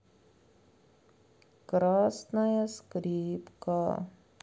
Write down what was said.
красная скрипка